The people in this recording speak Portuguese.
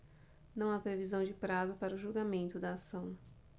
não há previsão de prazo para o julgamento da ação